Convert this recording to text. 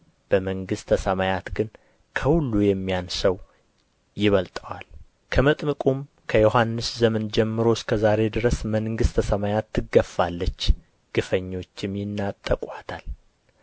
በመንግሥተ ሰማያት ግን ከሁሉ የሚያንሰው ይበልጠዋል ከመጥምቁም ከዮሐንስ ዘመን ጀምሮ እስከ ዛሬ ድረስ መንግሥተ ሰማያት ትገፋለች ግፈኞችም ይናጠቋታል